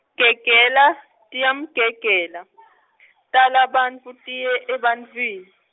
Gegela , tiyamgegela , tala bantfu , tiye, ebantfwini.